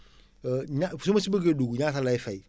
ña su ma si bëggee dugg ñaata laat fay